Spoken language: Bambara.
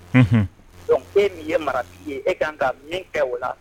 Un dɔnku e min ye mara' ye e kan ka min kɛ o la